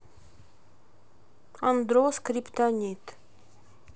andro скриптонит